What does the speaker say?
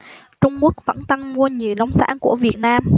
trung quốc vẫn tăng mua nhiều nông sản của việt nam